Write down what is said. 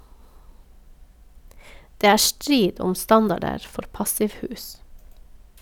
Det er strid om standarder for passivhus.